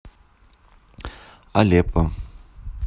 алеппо